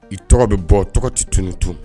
I tɔgɔ bɛ bɔ tɔgɔ ci tun tun